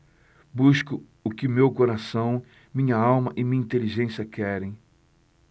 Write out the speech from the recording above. busco o que meu coração minha alma e minha inteligência querem